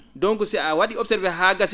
donc si a wa?ii observé haa gasii